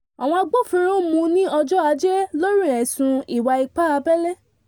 Àwọn agbófinró mú u ni ọjọ́ Ajé lórí ẹ̀sùn ìwà ipá abélé